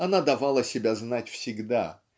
Она давала себя знать всегда